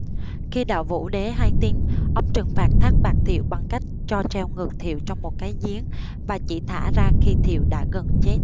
khi đạo vũ đế hay tin ông trừng phạt thác bạt thiệu bằng cách cho treo ngược thiệu trong một cái giếng và chỉ thả ra khi thiệu đã gần chết